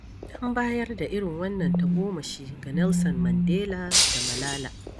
An bayar da irin wannan tagomashi ga Nelson Mandela da Malala.